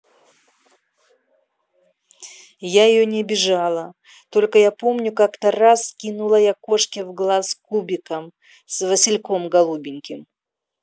я ее не обижала только я помню как то раз скинула я кошке в глаз кубиком с васильком голубеньким